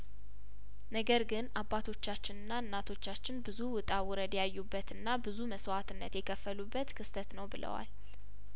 ነገር ግን አባቶቻችንና እናቶቻችን ብዙ ውጣ ውረድ ያዩበትና ብዙ መስዋእትነት የከፈሉበት ክስተት ነው ብለዋል